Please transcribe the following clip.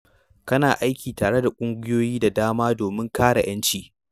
Kana aiki tare da ƙungiyoyi da dama domin kare 'yanci.